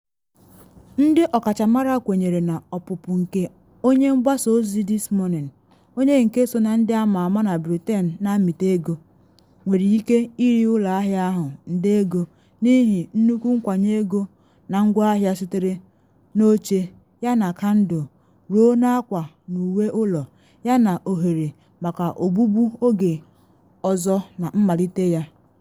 Ndị ọkachamara kwenyere na ọpụpụ nke onye mgbasa ozi This Morning, onye nke so na ndị ama ama na Britain na amịta ego, nwere ike iri ụlọ ahịa ahụ nde ego n’ihi nnukwu nkwanye ego na ngwaahịa sitere na oche yana kandụl ruo n’akwa na uwe ụlọ, yana ohere maka ogbugbu oge ọzọ na mmalite ya.